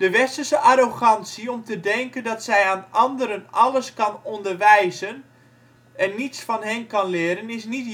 Westerse arrogantie om te denken dat zij aan anderen alles kan onderwijzen en niets van hen kan leren is niet